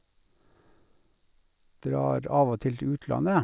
Drar av og til til utlandet.